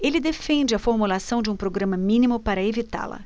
ele defende a formulação de um programa mínimo para evitá-la